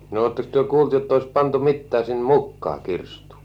oletteko te kuullut että olisi pantu mitään sinne mukaan kirstuun